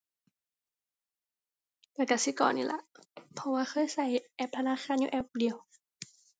ก็กสิกรนี่ล่ะ เพราะว่าเคยก็แอปธนาคารอยู่แอปเดียว